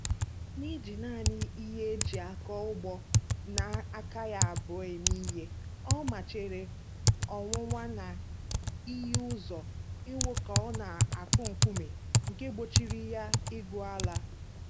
N'iji nanị ihe e ji akọ ugbo na aka ya abụọ eme ihe, Ouma chere ọnwụnwa na ihie ụzọ ihu ka ọ na-akụ nkume ndị gbochiri ya igwu ala.